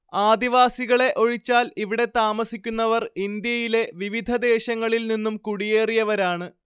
ആദിവാസികളെ ഒഴിച്ചാൽ ഇവിടെ താമസിക്കുന്നവർ ഇന്ത്യയിലെ വിവിധ ദേശങ്ങളിൽ നിന്നും കുടിയേറിയവരാണ്‌